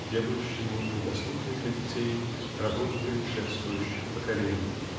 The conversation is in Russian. делающими недоступной для детей работу предшествующих поколений.